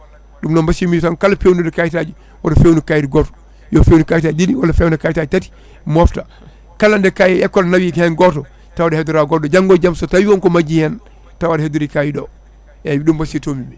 ɗum noon mbasiymiɓe tan kala pewnuɗo kayitaji oto fewnu kayit goto yo fewnu kayitaji ɗiɗi walla fewna kayitaji tati mofta kala nde kayi école nawi hen goto tawne heddora goto janggo e jaam so tawi wonko majji hen tawa aɗa heddori kayit o eyyi ɗum mbasiytomiɓe